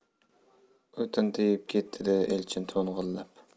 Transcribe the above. o'tin tegib ketdi dedi elchin to'ng'illab